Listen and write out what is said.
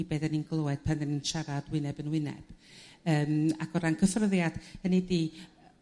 i be 'den ni'n gl'wed pan 'dan ni'n siarad wyneb yn wyneb yrm ag o ran cyffyrddiad 'dan ni 'di